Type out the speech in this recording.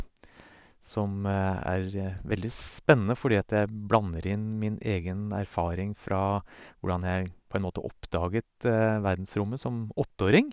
Som er veldig spennende, fordi at jeg blander inn min egen erfaring fra hvordan jeg på en måte oppdaget verdensrommet som åtteåring.